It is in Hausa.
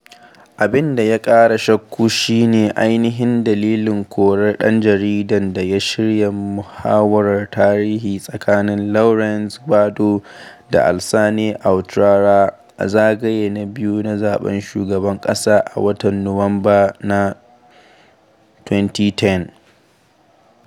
Abin da ya kara shakku shi ne ainihin dalilin korar ɗan jaridar da ya shirya muhawarar tarihi tsakanin Laurent Gbagbo da Alassane Ouattara a zagaye na biyu na zaɓen shugaban ƙasa a watan Nuwamba na 2010.